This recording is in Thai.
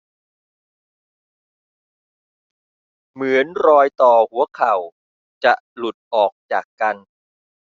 เหมือนรอยต่อหัวเข่าจะหลุดออกจากกัน